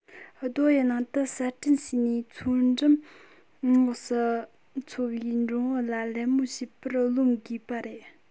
རྡོ ཡི ནང དུ གསར སྐྲུན བྱས ནས མཚོའི འགྲམ ངོགས སུ འཚོ བའི འགྲོན བུ ལ ལད མོ བྱས པར རློམ དགོས པ རེད